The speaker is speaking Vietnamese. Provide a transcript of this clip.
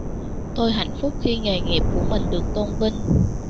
tôi hạnh phúc khi nghề nghiệp của mình được tôn vinh